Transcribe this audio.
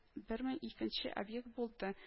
Бер мең икенче объект булды